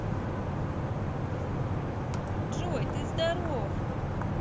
джой ты здоров